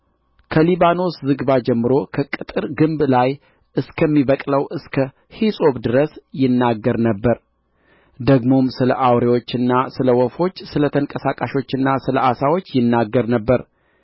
ከሊባኖስ ዝግባ ጀምሮ በቅጥር ግንብ ላይ እስከሚበቅለው እስከ ሂሶጵ ድረስ ይናገር ነበር ደግሞም ስለ አውሬዎችና ስለ ወፎች ሰለተንቀሳቃሾችና ስለ ዓሣዎች ይናገር ነበር